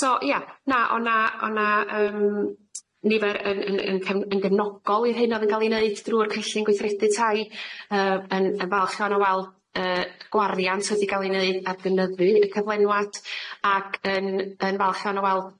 So ia na o' 'na o' 'na yym nifer yn yn yn cefn- yn gefnogol i'r hyn o'dd yn ga'l 'i neud drw'r cyllyn gweithredi tai yy yn yn falch iawn o wel' yy gwariant wedi ga'l 'i neud ar gynyddu y cyflenwad ac yn yn falch iawn o wel'